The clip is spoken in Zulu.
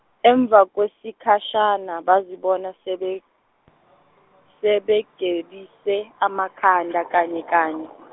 emva kwesikhashana bazibona sebe- sebegebise, amakhanda kanye kanye.